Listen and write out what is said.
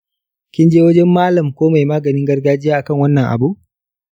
kinje wajen malam ko mai maganin garagajiya akan wannan abun?